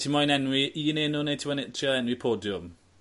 ti moyn enwi un enw ne' ti moyn e- trio enwi podiwm?